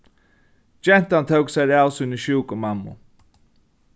gentan tók sær av síni sjúku mammu